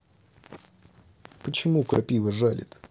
почему крапива жалит